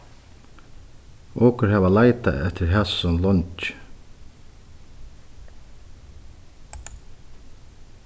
okur hava leitað eftir hasum leingi